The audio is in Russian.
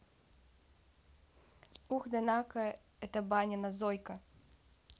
ухда на ка это баня на зой ка